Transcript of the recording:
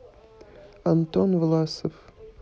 антон власов